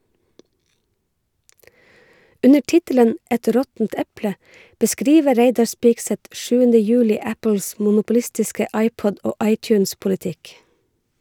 Under tittelen "Et råttent eple" beskriver Reidar Spigseth 7. juli Apples monopolistiske iPod- og iTunes-politikk.